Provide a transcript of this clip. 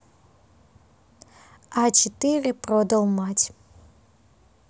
а четыре продал мать